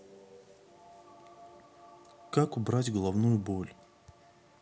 как убрать головную боль